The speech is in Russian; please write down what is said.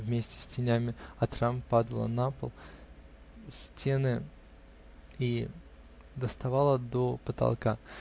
вместе с тенями от рам падала на пол, стены и доставала до потолка.